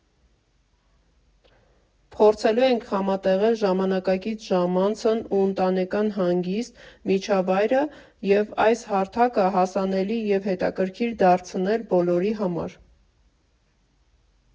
Փորձելու ենք համատեղել ժամանակակից ժամանցն ու ընտանեկան հնագիստ միջավայրը և այս հարթակը հասանելի և հետաքրքիր դարձնել բոլորի համար։